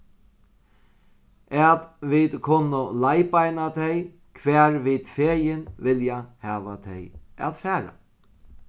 at vit kunnu leiðbeina tey hvar vit fegin vilja hava tey at fara